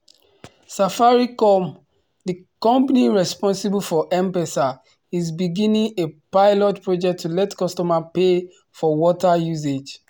Safaricom, the company responsible for M-Pesa, is beginning a pilot project to let customers pay for water usage.